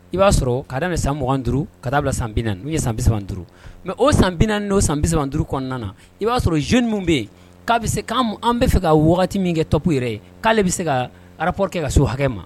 I b'a sɔrɔ ka daminɛ san mugan duuru ka bila sanna n'u ye san bisimilaban duuruuru mɛ o sanina o san bisimilasaban duuru kɔnɔna na i b'a sɔrɔ zoni minnu bɛ yen k'a bɛ se k an bɛ fɛ ka min kɛ top yɛrɛ k'ale bɛ se ka arapkɛ ka so hakɛ ma